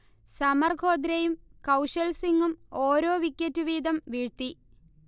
സമർ ഖ്വാദ്രയും കൗശൽ സിങ്ങും ഓരോ വിക്കറ്റ് വീതം വീഴ്ത്തി